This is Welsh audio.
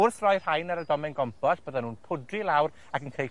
wrth roi rhain ar y domen gompos, bydde nw'n pwdru lawr ac yn creu